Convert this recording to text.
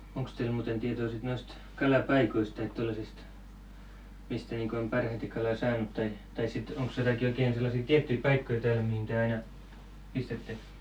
onkos teillä muuten tietoa sitten noista kalapaikoista tai tuollaisista mistä niin kuin on parhaiten kalaa saanut tai tai sitten onkos jotakin oikein sellaisia tiettyjä paikkoja täällä mihin te aina pistätte